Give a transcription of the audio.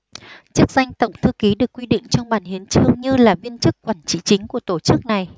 chức danh tổng thư ký được quy định trong bản hiến chương như là viên chức quản trị chính của tổ chức này